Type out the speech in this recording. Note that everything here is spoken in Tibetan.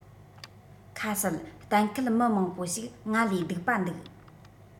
ཁ གསལ གཏན འཁེལ མི མང པོ ཞིག ང ལས སྡུག པ འདུག